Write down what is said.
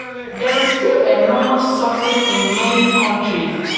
“There is still enormous suffering in many countries.”